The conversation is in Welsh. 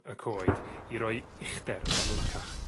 y coed i roi uchter amlycach.